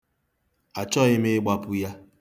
Achọghị m ịgbapu ya.